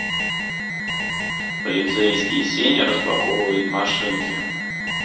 полицейский сеня распаковывает машинки